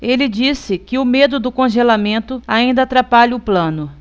ele disse que o medo do congelamento ainda atrapalha o plano